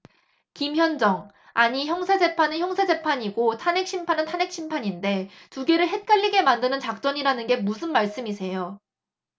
김현정 아니 형사재판은 형사재판이고 탄핵심판은 탄핵심판인데 두 개를 헷갈리게 만드는 작전이라는 게 무슨 말씀이세요